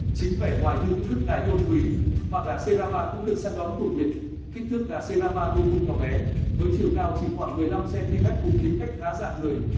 chính vẻ ngoài như những đức ngài tôn quý mà gà serama cũng được săn đón cuồng nhiệt kích thước gà serama vô cùng nhỏ bé với chiều cao chỉ khoảng cm cùng tính cách khá dạn người